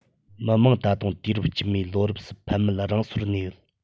མི དམངས ད དུང དུས རབས དཀྱིལ མའི ལོ རབས སུ འཕེལ མེད རང སོར གནས ཡོད